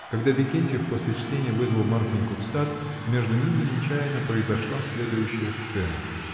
Когда Викентьев, после чтения, вызвал Марфиньку в сад, между ними нечаянно произошла следующая сцена.